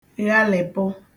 ghalị̀pụ